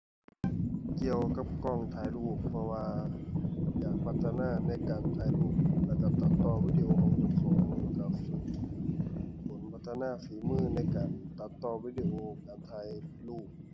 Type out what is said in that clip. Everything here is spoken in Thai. เกี่ยวกับกล้องถ่ายรูปเพราะว่าอยากพัฒนาในการถ่ายรูปแล้วก็ตัดต่อวิดีโอของเจ้าของ แล้วก็ฝึกฝนพัฒนาฝีมือในการตัดต่อวิดีโอ การถ่ายรูป